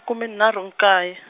kume nharhu nkaye.